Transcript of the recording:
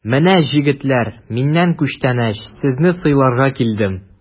Менә, җегетләр, миннән күчтәнәч, сезне сыйларга килдем!